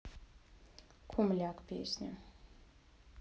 кумляк песня